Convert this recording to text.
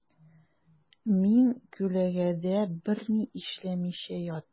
Мин күләгәдә берни эшләмичә яттым.